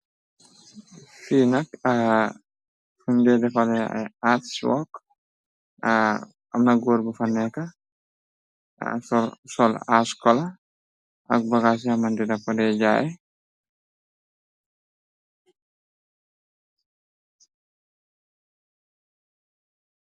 Fii nak a funj dey defare ay artswok, amna góor bu fa neeka, sol askola, ak bagaas yi nga xamante ni def ko de jaay.